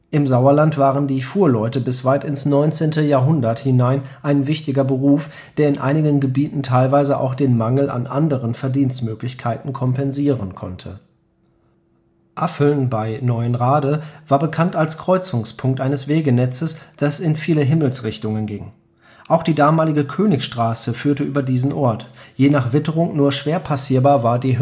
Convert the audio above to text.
Im Sauerland waren die Fuhrleute bis weit ins 19. Jahrhundert hinein ein wichtiger Beruf, der in einigen Gebieten teilweise auch den Mangel an anderen Verdienstmöglichkeiten kompensieren konnte. Alte Hönnebrücke Unterrichtungstafel Sauerland an der A4 vor Olpe Affeln (Neuenrade) war bekannt als Kreuzungspunkt eines Wegenetzes, das in viele Himmelsrichtungen ging. Auch die damalige Königstraße führte über diesen Ort. Je nach Witterung nur schwer passierbar war die